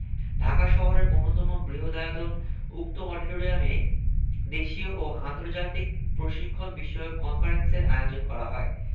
ঢাকা শহরের অন্যতম বৃহদায়তন উক্ত অডিটোরিয়ামে দেশীয় ও আন্তর্জাতিক প্রশিক্ষণ বিষয়ক কনফারেন্সের আয়োজন করা হয়